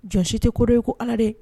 Jɔn si te ko dɔn i ko Ala dɛ